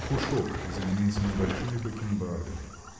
Пушок заменился небольшими бакенбардами.